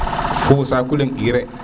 fo o saku leng ire